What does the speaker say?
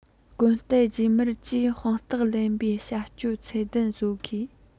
གོམ སྟབས རྗེས མར ཀྱིས དཔང རྟགས ལེན པའི བྱ སྤྱོད ཚད ལྡན བཟོ དགོས